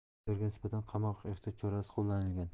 aybdorga nisbatan qamoq ehtiyot chorasi qo'llanilgan